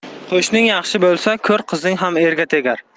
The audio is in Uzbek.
qo'shning yaxshi bo'lsa ko'r qizing ham erga tegar